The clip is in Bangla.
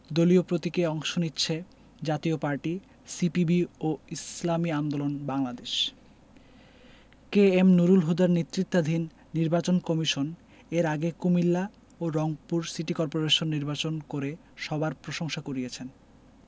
দলীয় প্রতীকে অংশ নিচ্ছে জাতীয় পার্টি সিপিবি ও ইসলামী আন্দোলন বাংলাদেশ কে এম নুরুল হুদার নেতৃত্বাধীন নির্বাচন কমিশন এর আগে কুমিল্লা ও রংপুর সিটি করপোরেশন নির্বাচন করে সবার প্রশংসা কুড়িয়েছে